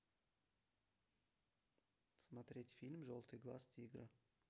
смотреть фильм желтый глаз тигра